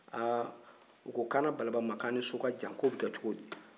ha u ko kaana balaba ma ko an ni so ka jan k'o bɛ kɛ cogo di